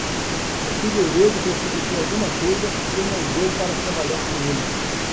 o figueiredo precipitou alguma coisa e não deu para trabalhar com ele